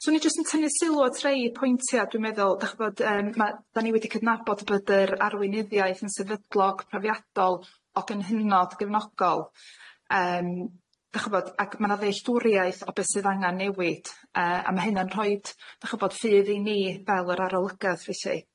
'Swn i jyst yn tynnu sylw at rhei pwyntia, dwi'n meddwl dych ch'bod yym ma' da ni wedi cydnabod bod yr arweinyddiaeth yn sefydlog profiadol ac yn hynod gefnogol, yym dych ch'bod ac ma' na ddealltwriaeth o be sydd angan newid yy a ma' hynna'n rhoid dych ch'bod ffydd i ni fel yr arolygydd felly.